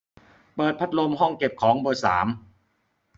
เปิดพัดลมห้องเก็บของเบอร์สาม